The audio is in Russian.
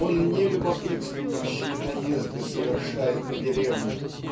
он не любопытствующие наезды совершает на деревню